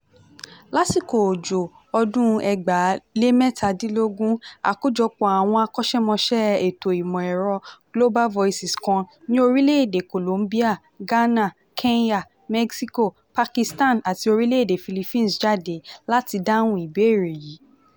Lásìkò òjò ọdún 2017, àkójọpọ̀ àwọn akọ́ṣẹ́mọṣẹ́ ẹ̀tọ́ ìmọ̀ ẹ̀rọ Global Voices kan ní orílẹ̀ èdè Colombia, Ghana, Kenya, Mexico, Pakistan àti orílẹ́ èdè Philippines jáde láti dáhùn ìbéèrè yìí.